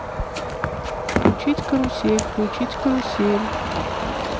включить карусель включить карусель